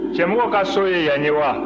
cɛmɔgɔ ka so ye yan ye wa